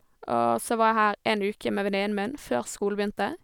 Og så var jeg her én uke med venninnen min før skolen begynte.